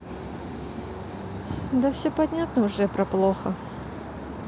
да все понятно уже про плохо